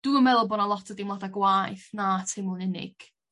dwi'm yn meddwl bo' 'na lot o deimlada' gwaeth na teimlo'n unig.